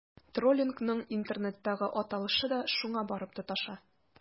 Троллингның интернеттагы аталышы да шуңа барып тоташа.